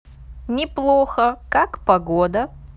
неплохо как погода